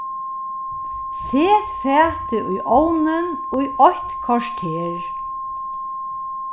set fatið í ovnin í eitt korter